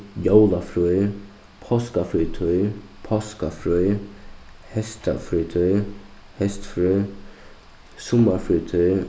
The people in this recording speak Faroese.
jólafrí páskafrítíð páskafrí heystfrí summarfrítíð